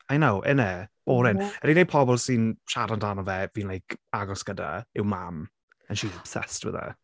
I know innit? Boring... wha-? ...Yr unig pobl sy'n siarad amdano fe fi'n like agos gyda yw mam and she's obsessed with it.